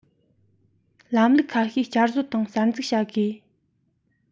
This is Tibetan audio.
ལམ ལུགས ཁ ཤས བསྐྱར གསོ དང གསར འཛུགས བྱ དགོས